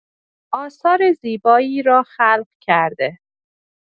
آثار زیبایی را خلق کرده